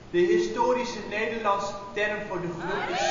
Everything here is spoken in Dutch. historische Nederlandse term voor de groep is